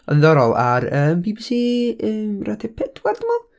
oedd yn ddiddorol, ar, yym, BBC, yy, radio pedwar, dwi'n meddwl?